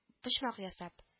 Почмак ясап